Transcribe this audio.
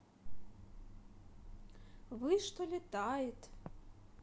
вы что летает